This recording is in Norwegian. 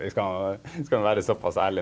vi skal skal vi være såpass ærlig.